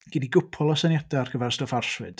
Ma' gen i gwpwl o syniadau ar gyfer stwff arswyd.